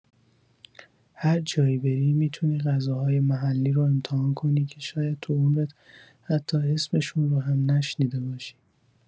هر جایی بری، می‌تونی غذاهای محلی رو امتحان کنی که شاید تو عمرت حتی اسمشون رو هم نشنیده باشی.